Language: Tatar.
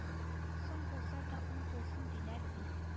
Соң булса да уң булсын диләр бит